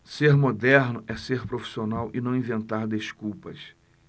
ser moderno é ser profissional e não inventar desculpas